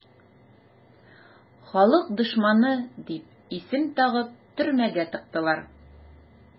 "халык дошманы" дип исем тагып төрмәгә тыктылар.